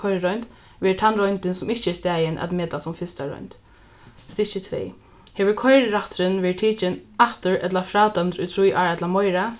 koyriroynd verður tann royndin sum ikki er staðin at meta sum fyrsta roynd stykki tvey hevur koyrirætturin verið tikin aftur ella frádømdur í trý ár ella meira